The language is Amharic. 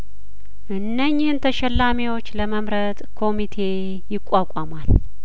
እነኚህን ተሸላሚዎች ለመምረጥ ኮሚቴ ይቋቋማል